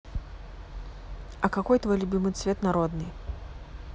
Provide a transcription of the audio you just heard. а какой твой любимый цвет народный